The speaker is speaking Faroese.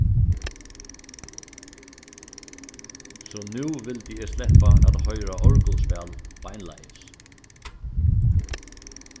so nú vildi eg sleppa at hoyra orgulspæl beinleiðis